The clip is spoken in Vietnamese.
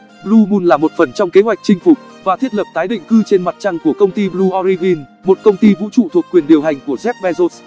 blue moon là một phần trong kế hoạch chinh phục và thiết lập tái định cư trên mặt trăng của công ty blue origin một công ty vũ trụ thuộc quyền điều hành của jeff bezos